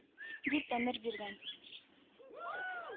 — дип әмер биргән.